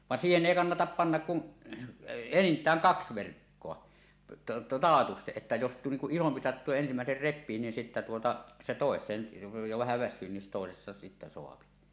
vaan siihen ei kannata panna kuin enintään kaksi verkkoa taatusti että jos niin kuin isompi sattuu ja ensimmäinen repii niin sitten tuota se toiseen jo vähän väsyy niin toisesta sitten saa